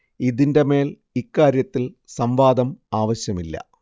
ഇതിന്റെ മേൽ ഈ കാര്യത്തിൽ സംവാദം ആവശ്യമില്ല